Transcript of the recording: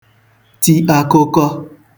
ti akụkọ